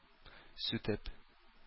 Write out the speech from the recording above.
Сүтеп